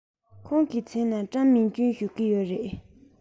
ཁོང གི མཚན ལ ཀྲང མིང ཅུན ཞུ གི ཡོད རེད